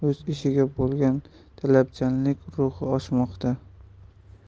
deymizmi hammaning o'z ishiga bo'lgan talabchanlik ruhi oshmoqda